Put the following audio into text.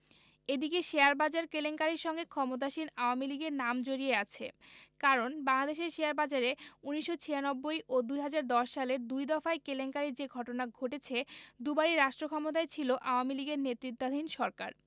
এদিকে শেয়ারবাজার কেলেঙ্কারির সঙ্গে ক্ষমতাসীন আওয়ামী লীগের নাম জড়িয়ে আছে কারণ বাংলাদেশের শেয়ারবাজারে ১৯৯৬ ও ২০১০ সালের দুই দফায় কেলেঙ্কারির যে ঘটনা ঘটেছে দুবারই রাষ্ট্রক্ষমতায় ছিল আওয়ামী লীগের নেতৃত্বাধীন সরকার